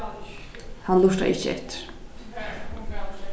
hann lurtaði ikki eftir